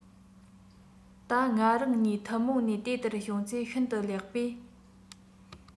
ད ང རང གཉིས ཐུན མོང ནས དེ ལྟར བྱུང ཚེ ཤིན ཏུ ལེགས པས